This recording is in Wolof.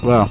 waaw